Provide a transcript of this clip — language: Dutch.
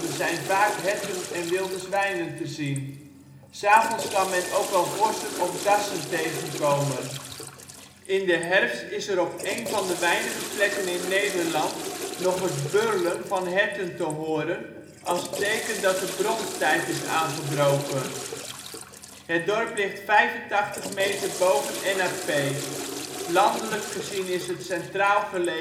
zijn vaak herten en wilde zwijnen te zien. ' s Avonds kan men ook wel vossen of dassen tegenkomen. In de herfst is er op een van de weinige plekken in Nederland nog het " burlen " van herten te horen, als teken dat de bronsttijd is aangebroken. Het dorp ligt 85 meter boven NAP. Landelijk gezien is het centraal gelegen, 5